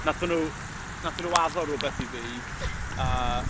Wnaethon nhw wnaethon nhw addo rywbeth i fi a...